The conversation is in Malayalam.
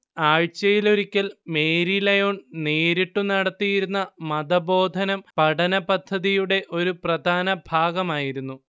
ആഴ്ചയിലൊരിക്കൽ മേരി ലയോൺ നേരിട്ടു നടത്തിയിരുന്ന മതബോധനം പഠനപദ്ധതിയുടെ ഒരു പ്രധാന ഭാഗമായിരുന്നു